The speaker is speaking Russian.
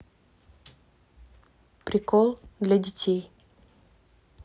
прикол для детей